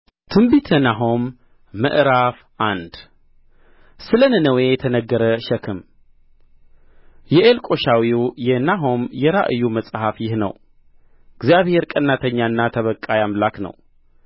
ትንቢተ ናሆም ምዕራፍ አንድ ስለ ነነዌ የተነገረ ሸክም የኤልቆሻዊው የናሆም የራእዩ መጽሐፍ ይህ ነው እግዚአብሔር ቀናተኛና ተበቃይ አምላክ ነው